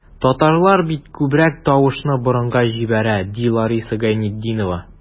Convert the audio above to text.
Татарлар бит күбрәк тавышны борынга җибәрә, ди Лариса Гайнетдинова.